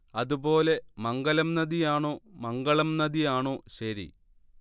അതുപോലെ മംഗലം നദി ആണോ മംഗളം നദി ആണോ ശരി